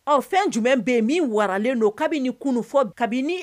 Ɔ fɛn jumɛn bɛ yen min waralen don kabini kununfɔ kabini